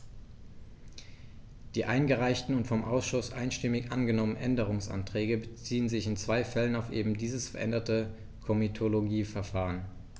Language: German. Die eingereichten und vom Ausschuss einstimmig angenommenen Änderungsanträge beziehen sich in zwei Fällen auf eben dieses veränderte Komitologieverfahren.